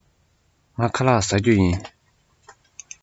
ངས ཁ ལག བཟས མེད